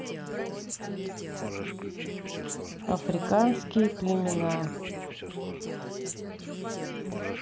африканские племена